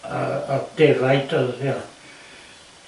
Yy y defaid oedd ia.